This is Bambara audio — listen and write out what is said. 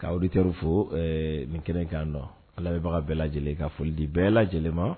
Ka wari terir fo nin kɛnɛkan dɔn ala bɛbaga bɛɛ lajɛlen ka foli di bɛɛ lajɛlen ma